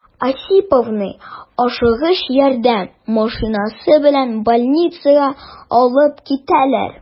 Осиповны «Ашыгыч ярдәм» машинасы белән больницага алып китәләр.